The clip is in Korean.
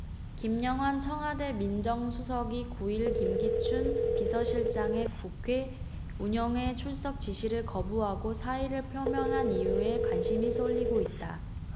김영한 청와대 민정수석이 구 일 김기춘 비서실장의 국회 운영위 출석 지시를 거부하고 사의를 표명한 이유에 관심이 쏠리고 있다